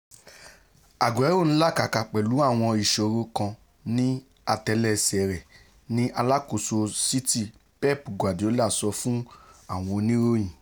Aguero ńlàkàkà pẹ̀lú àwọn ìṣòro kan ní àtẹ́lẹs̵ẹ̀ rẹ̀,'' ni aláàkóso City Pep Guardiola sọ fún àwọn oníròyìn.